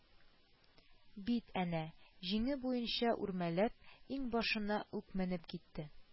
Бит әнә: җиңе буенча үрмәләп, иңбашына ук менеп китте